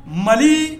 Mali